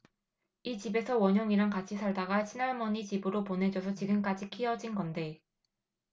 이 집에서 원영이랑 같이 살다가 친할머니 집으로 보내져서 지금까지 키워진 건데